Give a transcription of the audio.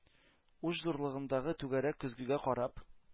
Уч зурлыгындагы түгәрәк көзгегә карап